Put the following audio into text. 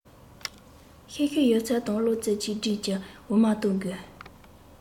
ཤེད ཤུགས ཡོད ཚད དང བློ རྩེ གཅིག སྒྲིམ གྱིས འོ མ བཏུང དགོས